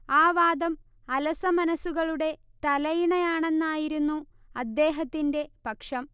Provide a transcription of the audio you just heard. ആ വാദം അലസമനസ്സുകളുടെ തലയിണ ആണെന്നായിരുന്നു അദ്ദേഹത്തിന്റെ പക്ഷം